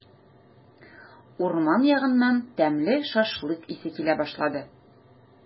Урман ягыннан тәмле шашлык исе килә башлады.